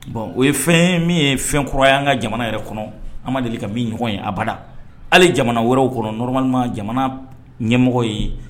Bon o ye fɛn min ye fɛn kɔrɔ' ka jamana yɛrɛ kɔnɔ deli ka bin ɲɔgɔn ye abada hali jamana wɛrɛw kɔnɔ nɔrɔ jamana ɲɛmɔgɔ ye